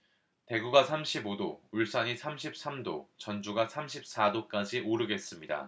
대구가 삼십 오 도 울산이 삼십 삼 도 전주가 삼십 사 도까지 오르겠습니다